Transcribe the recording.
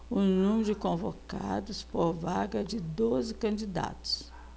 o número de convocados por vaga é de doze candidatos